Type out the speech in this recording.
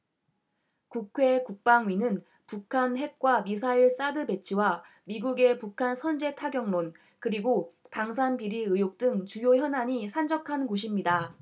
국회 국방위는 북한 핵과 미사일 사드 배치와 미국의 북한 선제타격론 그리고 방산비리 의혹 등 주요 현안이 산적한 곳입니다